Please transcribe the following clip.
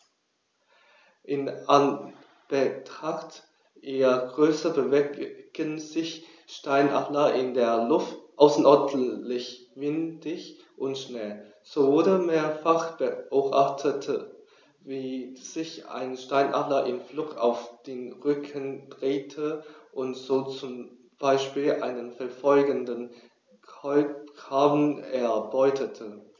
In Anbetracht ihrer Größe bewegen sich Steinadler in der Luft außerordentlich wendig und schnell, so wurde mehrfach beobachtet, wie sich ein Steinadler im Flug auf den Rücken drehte und so zum Beispiel einen verfolgenden Kolkraben erbeutete.